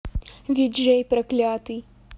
vijay проклятый